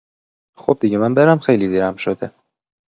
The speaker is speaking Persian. خب دیگه من برم خیلی دیرم شده